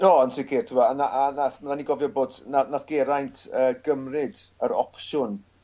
O yn sicir t'bo' a na- a nath nawn ni gofio bod ny- nath Geraint yy gymryd yr opsiwn